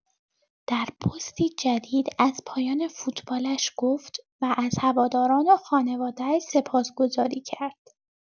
در پستی جدید از پایان فوتبالش گفت و از هواداران و خانواده‌اش سپاسگزاری کرد.